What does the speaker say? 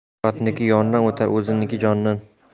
yotniki yondan o'tar o'zingniki jondan